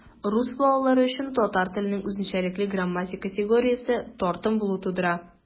Рус балалары өчен татар теленең үзенчәлекле грамматик категориясе - тартым булуы тудыра.